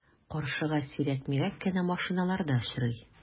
Каршыга сирәк-мирәк кенә машиналар да очрый.